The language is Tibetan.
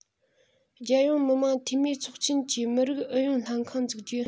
རྒྱལ ཡོངས མི དམངས འཐུས མིའི ཚོགས ཆེན གྱིས མི རིགས ཨུ ཡོན ལྷན ཁང འཛུགས རྒྱུ